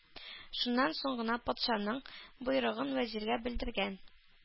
Шуннан соң гына патшаның боерыгын вәзиргә белдергән.